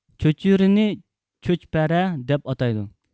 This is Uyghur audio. چۆچۈرىنى چۆچپەرە دەپ ئاتايدۇ